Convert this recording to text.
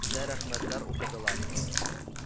Дә рәхмәтләр укыдылар